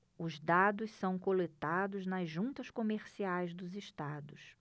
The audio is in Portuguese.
os dados são coletados nas juntas comerciais dos estados